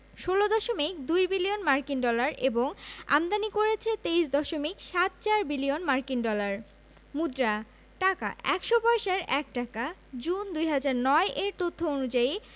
১৬দশমিক ২ বিলিয়ন মার্কিন ডলার এবং আমদানি করেছে ২৩দশমিক সাত চার বিলিয়ন মার্কিন ডলার মুদ্রাঃ টাকা ১০০ পয়সায় ১ টাকা জুন ২০০৯ এর তথ্য অনুযায়ী